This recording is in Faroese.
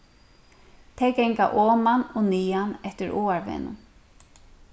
tey ganga oman og niðan eftir áarvegnum